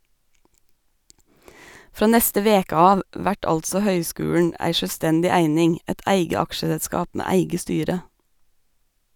Frå neste veke av vert altså høgskulen ei sjølvstendig eining, eit eige aksjeselskap med eige styre.